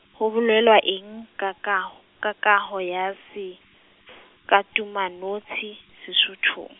ho bolelwa eng ka kaho, ka kaho ya sekatumanotshi Sesothong?